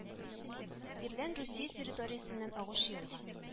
Тирлән Русия территориясеннән агучы елга